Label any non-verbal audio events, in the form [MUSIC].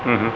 [HESITATION] [HESITATION]